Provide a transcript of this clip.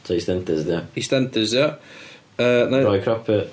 'Ta Eastenders 'di o?... Eastenders 'di o. ...Yy Roy Cropper.